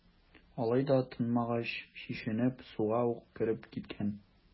Алай да тынмагач, чишенеп, суга ук кереп киткән.